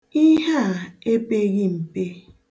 Ihe a epeghị mpe.